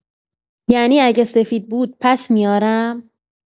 یعنی اگه سفید بود، پس میارم؟